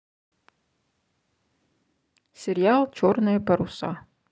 сериал черные паруса